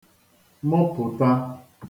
mụpùta